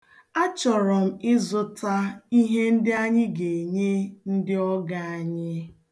Achọrọ m ịzụta ihe ndị anyị ga-enye ndị ọgọ anyi.